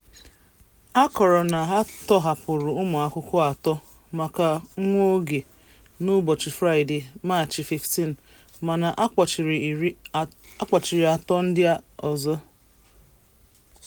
A kọrọ na a tọhapụrụ ụmụakwụkwọ atọ maka nwaoge n'ụbọchị Fraịdee, Maachị 15, mana, a kpọchiri atọ ndị ọzọ.